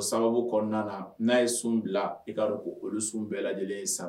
O sababu kɔnɔna na n'a ye sun bila i ka dɔn ko olu sun bɛɛ lajɛlen ye sa